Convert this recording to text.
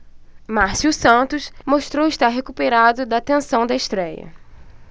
márcio santos mostrou estar recuperado da tensão da estréia